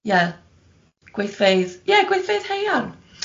Ie, gweithfeydd ie gweithfeydd Heuarn.